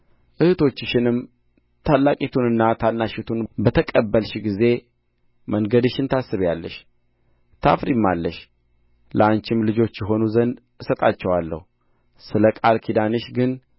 እኅቶችሽንም ታላቂቱንና ታናሺቱን በተቀበልሽ ጊዜ መንገድሽን ታስቢያለሽ ታፍሪማለሽ ለአንቺም ልጆች ይሆኑ ዘንድ እሰጣቸዋለሁ ስለ ቃል ኪዳንሽ ግን